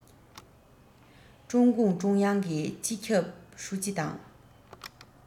ཀྲུང གུང ཀྲུང དབྱང གི སྤྱི ཁྱབ ཧྲུའུ ཅི དང